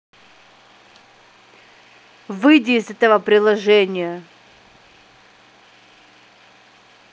выйди из этого приложения